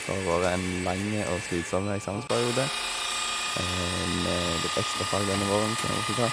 Det har vore en lang og slitsom eksamensperiode, med litt ekstrafag denne våren som jeg måtte ta.